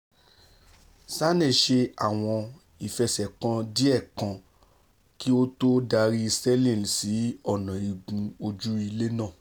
Sane ṣe àwọn ìfẹsẹ̀kàn diẹ́ kan kí ó tó darí Sterling sí ọ̀nà igun ojú-ilé náà.